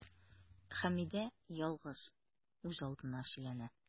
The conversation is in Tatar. Хәмидә ялгыз, үзалдына сөйләнә.